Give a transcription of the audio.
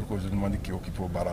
I ko zuman ni ke o ki baara